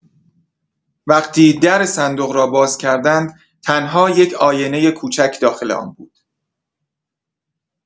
وقتی در صندوق را باز کردند، تنها یک آینه کوچک داخل آن بود.